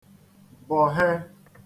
-bọ̀he